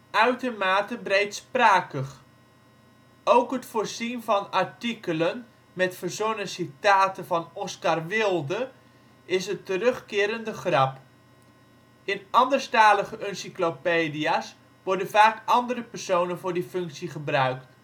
uitermate breedsprakig. Ook het voorzien van artikelen met verzonnen citaten van Oscar Wilde is een terugkerende grap; in anderstalige Uncyclopedia 's worden vaak andere personen voor die functie gebruikt